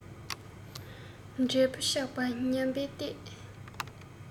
འབྲས བུ ཆགས པ ཉམས པའི ལྟས